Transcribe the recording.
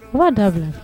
U b' dabila